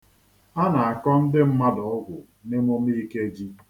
A na-akọ ndị mmadụ ọgwụ n'emume Ikeji.